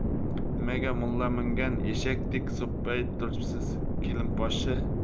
nimaga mulla mingan eshakdek so'ppayib turibsiz kelinposhsha